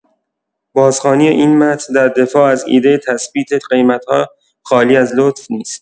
بازخوانی این متن در دفاع از ایده تثبیت قیمت‌ها خالی از لطف نیست.